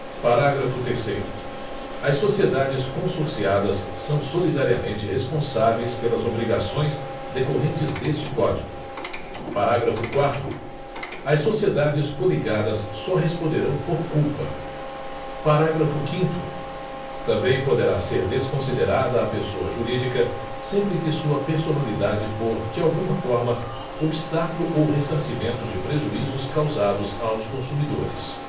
parágrafo terceiro as sociedades consorciadas são solidariamente responsáveis pelas obrigações decorrentes deste código parágrafo quarto as sociedades coligadas só responderão por culpa parágrafo quinto também poderá ser desconsiderada a pessoa jurídica sempre que sua personalidade for de alguma forma obstáculo ou ressarcimento de prejuízos causados aos consumidores